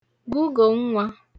gugò nnwā